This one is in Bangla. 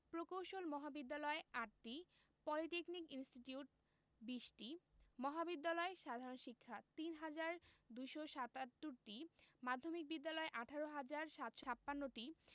প্রকৌশল মহাবিদ্যালয় ৮টি পলিটেকনিক ইনস্টিটিউট ২০টি মহাবিদ্যালয় সাধারণ শিক্ষা ৩হাজার ২৭৭টি মাধ্যমিক বিদ্যালয় ১৮হাজার ৭৫৬টি